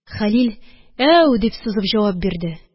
Хәлил: «Әү!» – дип сузып җавап бирде.